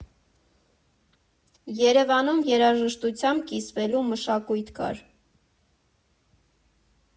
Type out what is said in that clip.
Երևանում երաժշտությամբ կիսվելու մշակույթ կար։